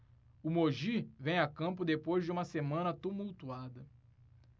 o mogi vem a campo depois de uma semana tumultuada